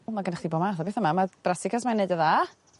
Wel ma' gennych chdi bo' math o betha 'ma ma'r brassicas 'ma neud y' dda